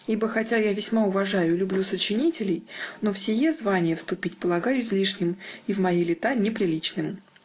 ибо, хотя я весьма уважаю и люблю сочинителей, но в сие звание вступить полагаю излишним и в мои лета неприличным.